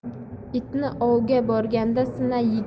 itni ovga borganda